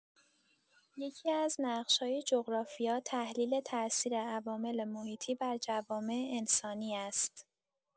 یکی‌از نقش‌های جغرافیا، تحلیل تأثیر عوامل محیطی بر جوامع انسانی است.